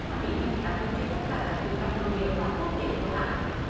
hành lý này được áp dụng trên tất cả các chuyến bay nội địa và quốc tế của hãng